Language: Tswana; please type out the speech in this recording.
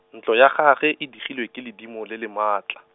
ntlo ya gagwe e digilwe ke ledimo le le maatla.